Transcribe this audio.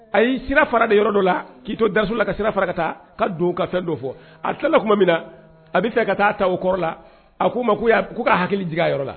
A y'i sira fara de yɔrɔ dɔ la k'i to dasola ka sira farata ka don ka fɛn don fɔ a tilala tuma min na a bɛ se ka taa ta o kɔrɔ la a' ma ko' k ka hakili jigin yɔrɔ la